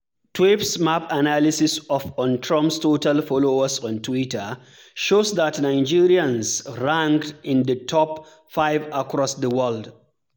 Tweepsmap analysis of on Trump’s total followers on Twitter shows that Nigerians ranked in the top five across the world: